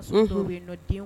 Bɛ